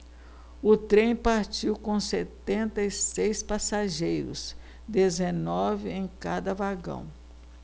o trem partiu com setenta e seis passageiros dezenove em cada vagão